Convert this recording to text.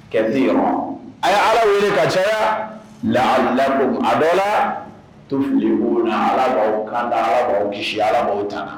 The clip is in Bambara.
Kedi a y ye ala wele ka caya lalabɔ a bɛ la tu filikun ala kanda ala kisi alabɔ ta